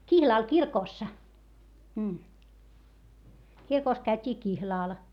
kihlalla kirkossa kirkossa käytiin kihlalla